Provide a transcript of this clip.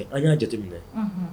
An y'a jateminɛ